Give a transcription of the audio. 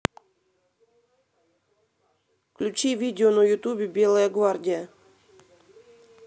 включи видео на ютубе белая гвардия